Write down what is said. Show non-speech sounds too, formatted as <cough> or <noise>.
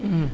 <hesitation> <hesitation>